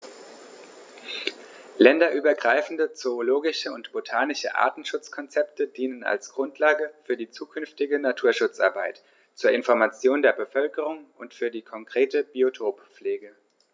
Länderübergreifende zoologische und botanische Artenschutzkonzepte dienen als Grundlage für die zukünftige Naturschutzarbeit, zur Information der Bevölkerung und für die konkrete Biotoppflege.